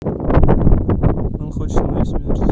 она хочет моей смерти